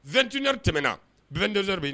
Bɛntri tɛmɛna bɛnd